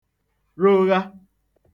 rogha